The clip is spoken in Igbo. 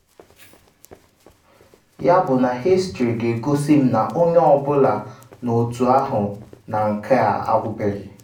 Yabụ na hịstrị ga-egosi m na onye ọ bụla n’otu ahụ na nke a agwụbeghị.